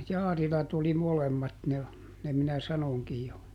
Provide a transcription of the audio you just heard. Jaarilat oli molemmat ne ne minä sanoinkin jo